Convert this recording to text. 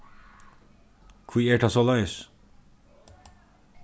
hví er tað soleiðis